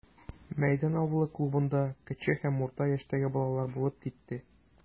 Мәйдан авылы клубында кече һәм урта яшьтәге балалар булып китте.